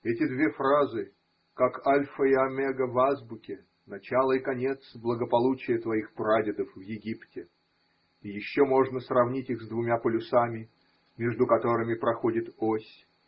Эти две фразы – как альфа и омега в азбуке, начало и конец благополучия твоих прадедов в Египте: и еще можно сравнить их с двумя полюсами, между которыми проходит ось.